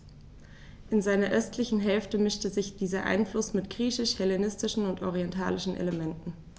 In seiner östlichen Hälfte mischte sich dieser Einfluss mit griechisch-hellenistischen und orientalischen Elementen.